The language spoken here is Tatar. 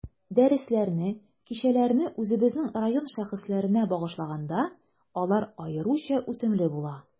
Дәресләрне, кичәләрне үзебезнең район шәхесләренә багышлаганда, алар аеруча үтемле була.